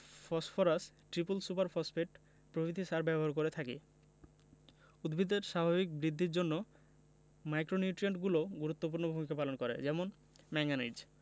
phosphorus triple super phosphate প্রভৃতি সার ব্যবহার করে থাকি উদ্ভিদের স্বাভাবিক বৃদ্ধির জন্য মাইক্রোনিউট্রিয়েন্টগুলোও গুরুত্বপূর্ণ ভূমিকা পালন করে যেমন ম্যাংগানিজ